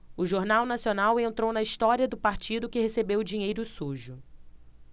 o jornal nacional entrou na história do partido que recebeu dinheiro sujo